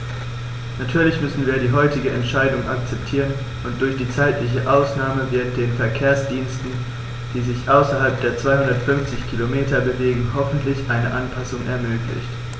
Natürlich müssen wir die heutige Entscheidung akzeptieren, und durch die zeitliche Ausnahme wird den Verkehrsdiensten, die sich außerhalb der 250 Kilometer bewegen, hoffentlich eine Anpassung ermöglicht.